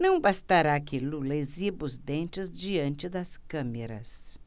não bastará que lula exiba os dentes diante das câmeras